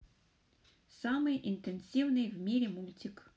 самый интересный в мире мультик